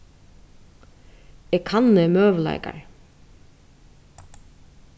eg kanni møguleikar